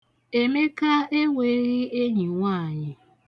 Emeka enweghị enyi nwaanyị.